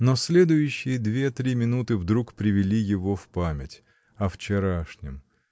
Но следующие две-три минуты вдруг привели его в память — о вчерашнем.